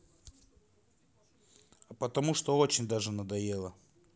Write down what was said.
а потому что очень даже надоело